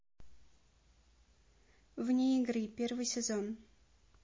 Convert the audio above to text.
вне игры первый сезон